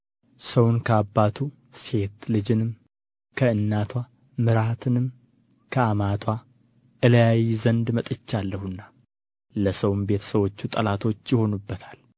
ሰውን ከአባቱ ሴት ልጅንም ከእናትዋ ምራትንም ከአማትዋ እለያይ ዘንድ መጥቻለሁና ለሰውም ቤተ ሰዎቹ ጠላቶች ይሆኑበታል